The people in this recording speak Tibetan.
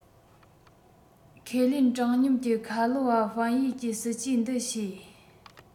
ཁས ལེན དྲང སྙོམས ཀྱི ཁ ལོ བ ཧྥན ཡུས གྱིས སྲིད ཇུས འདི ཤེས